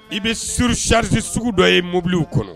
I bɛ surucrisi sugu dɔ ye mobiliw kɔnɔ